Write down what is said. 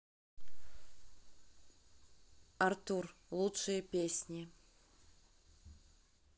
артур лучшие песни